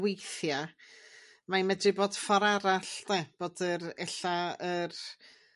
Weithia' mae medru bod ffor arall 'de? Bod yr ella yr